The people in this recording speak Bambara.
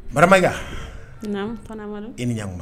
Bara e ni ɲa